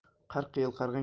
qirq yil qirg'in